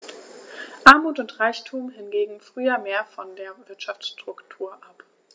Armut und Reichtum hingen früher mehr von der Wirtschaftsstruktur ab.